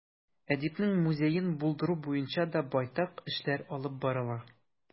Әдипнең музеен булдыру буенча да байтак эшләр алып барыла.